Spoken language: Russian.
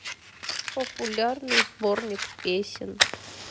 популярный сборник песен